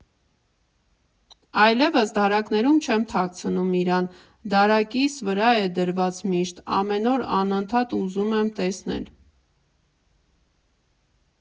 Այլևս դարակներում չեմ թաքցնում իրան, դարակիս վրա է դրված միշտ, ամեն օր անընդհատ ուզում եմ տեսնել։